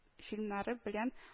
Фильмнары белән